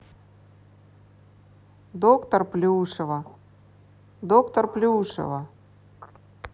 доктор плюшева доктор плюшева